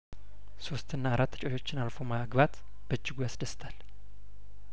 ሶስትና አራት ተጫዋቾችን አልፎ ማግባት በእጅጉ ያስደስታል